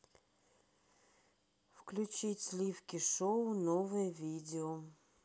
включить сливки шоу новые видео